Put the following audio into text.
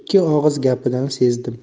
ikki og'iz gapidan sezdim